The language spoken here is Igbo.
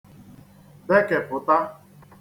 bekèpụta